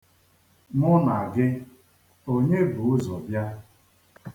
Mụ na gị, onye bu ụzọ bịa?